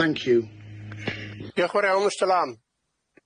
Thank you. Diolch yn fawr iawn, Mr. Lamb.